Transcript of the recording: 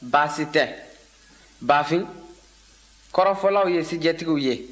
baasi tɛ bafin kɔrɔfɔlaw ye sijɛtigiw ye